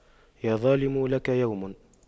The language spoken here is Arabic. يا ظالم لك يوم